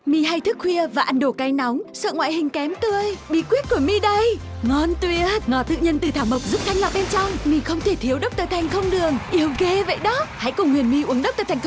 mi hay thức khuya và ăn đồ cay nóng sợ ngoại hình kém tươi bí quyết của mi đây ngon tuyệt ngọt tự nhiên từ thảo mộc giúp thanh lọc bên trong mi không thể thiếu đốc tơ thanh không đường yêu ghê vậy đó hãy cùng huyền my uống đốc tơ thanh